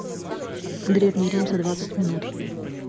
древний рим за двадцать минут